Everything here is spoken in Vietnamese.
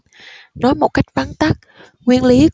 nói một cách vắn tắt nguyên lý